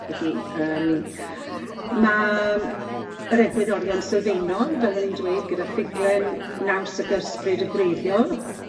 felly yym ma' m- yr egwyddorion sylfaenol, fel o'n i'n dweud, gyda ffuglen naws ac ysbryd y gwreiddiol,